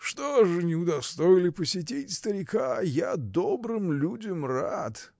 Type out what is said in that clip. — Что же не удостоили посетить старика: я добрым людям рад!